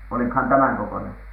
olihan tämän kokoinen